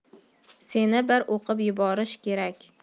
seni bir o'qib yuborish kerak